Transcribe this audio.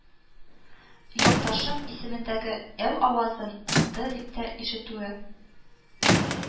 Якташым исемендәге л авазын д дип тә ишетүе